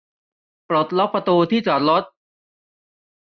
ปลดล็อคประตูที่จอดรถ